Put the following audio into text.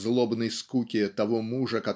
в злобной скуке того мужа